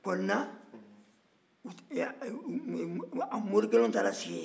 kɔnina mɔri gɛlɛnw taara sigi yen